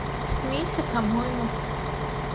смейся по моему